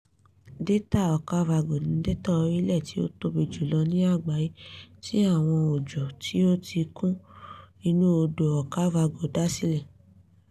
Dẹ́ẹ́tà Okavango ní dẹ́ẹ́tà orí ilẹ̀ tí ó tóbi jùlọ ní àgbáyé, tí àwọn òjò tí ó kún inú Odò Okavango dá sílẹ̀.